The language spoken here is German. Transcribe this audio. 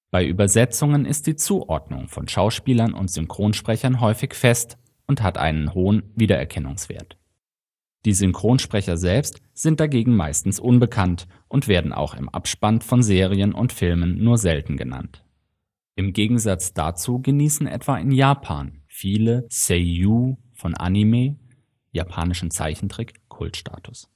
Bei Übersetzungen ist die Zuordnung von Schauspielern und Synchronsprechern häufig fest und hat einen hohen Wiedererkennungswert. Die Synchronsprecher selbst sind dagegen meistens unbekannt (und werden auch im Abspann von Serien und Filmen nur selten genannt). Im Gegensatz dazu genießen etwa in Japan viele Seiyū von Anime (japanischer Zeichentrick) Kultstatus